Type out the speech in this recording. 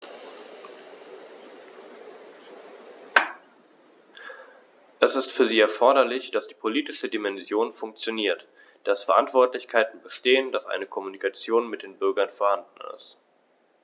Es ist für sie erforderlich, dass die politische Dimension funktioniert, dass Verantwortlichkeiten bestehen, dass eine Kommunikation mit den Bürgern vorhanden ist.